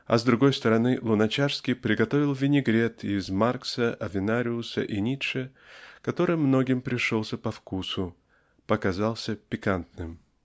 а с другой стороны Луначарский приготовил винегрет из Маркса Авенариуса и Ницше который многим пришелся по вкусу показался пикантным.